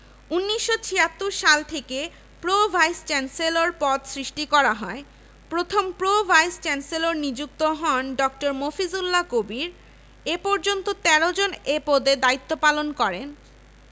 একটি কমিশন গঠনের ঘোষণা দেন লিড্স বিশ্ববিদ্যালয়ের উপাচার্য ড. এম.ই স্যাডলারের নেতৃত্বে ১৯১৯ সালে গঠিত কমিশনের প্রতিবেদনে ব্রিটিশ